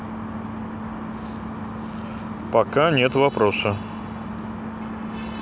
пока нет вопроса